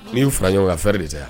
N'i y'o fara ɲɔgɔn, a frais de bɛ caya